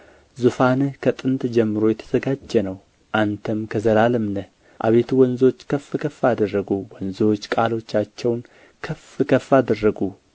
ዙፋንህ ከጥንት ጀምሮ የተዘጋጀ ነው አንተም ከዘላለም ነህ አቤቱ ወንዞች ከፍ ከፍ አደረጉ ወንዞች ቃሎቻቸውን ከፍ ከፍ አደረጉ